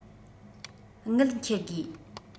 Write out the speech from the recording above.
དངུལ འཁྱེར དགོས